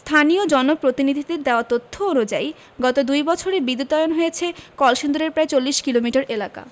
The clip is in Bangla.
স্থানীয় জনপ্রতিনিধিদের দেওয়া তথ্য অনুযায়ী গত দুই বছরে বিদ্যুতায়ন হয়েছে কলসিন্দুরের প্রায় ৪০ কিলোমিটার এলাকা